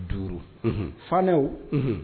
5 Unhun fanɛw Unhun